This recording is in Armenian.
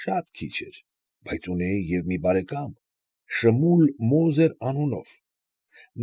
Շատ քիչ էր։ Բայց ունեի և՛ մի բարեկամ՝ Շմուլ Մոզեր անունով։